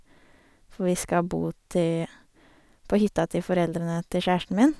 For vi skal bo ti på hytta til foreldrene til kjæresten min.